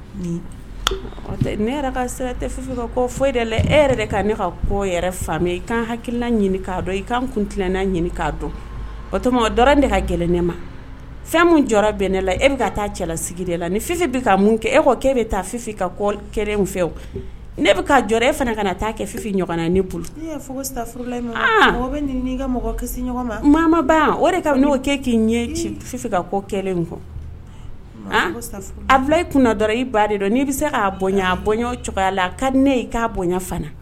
Ne ka foyi la e yɛrɛ ka ne ka kɔ yɛrɛ fa i ka kan hakilila ɲini k' dɔn i kan kun tilenla ɲininka k' dɔn o o de ka gɛlɛn ne ma fɛn min jɔ bɛn ne la e bɛ ka taa cɛlalasigi la ni bɛ ka mun kɛ e' e bɛ taafin ka kɔ kɛ fɛ ne bɛ ka jɔ e fana ka taa kɛ fifin ɲɔgɔn na ne bolo mama o' k'i ɲɛ ci ka kɔ kɔ a i kun dɔrɔn i ba de dɔn n' bɛ se bonyaya la ka ne k' bonya fana